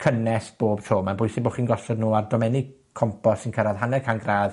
Cynnes bob tro. Ma'n bwysig bo' chi'n gosod nw ar domenni compos sy'n cyrradd hanner can gradd,